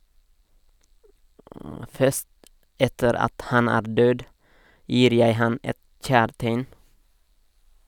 "Først etter at han er død, gir jeg han et kjærtegn."